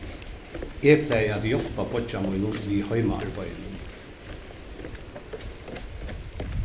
eg plagi at hjálpa beiggja mínum við heimaarbeiðinum